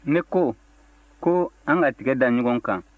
ne ko ko an ka tiga da ɲɔgɔn kan